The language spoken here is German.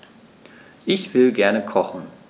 Ich will gerne kochen.